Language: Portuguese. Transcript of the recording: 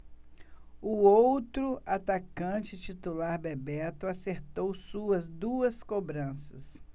o outro atacante titular bebeto acertou suas duas cobranças